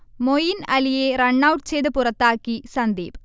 മോയിൻ അലിയെ റണ്ണൌട്ട് ചെയ്ത് പുറത്താക്കി സന്ദീപ്